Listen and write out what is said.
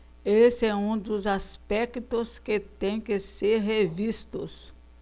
esse é um dos aspectos que têm que ser revistos